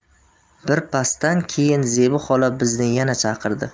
birpasdan keyin zebi xola bizni yana chaqirdi